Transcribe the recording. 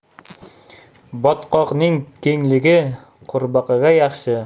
botqoqning kengligi qurbaqaga yaxshi